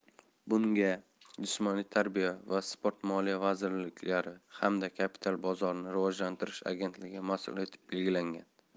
bunga jismoniy tarbiya va sport moliya vazirliklari hamda kapital bozorini rivojlantirish agentligi mas'ul etib belgilangan